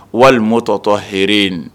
Walima' tɔtɔ h in